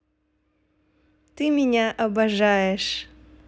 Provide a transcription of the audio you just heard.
ты меня обожаешь